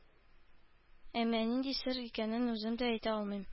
Әмма нинди сер икәнен үзем дә әйтә алмыйм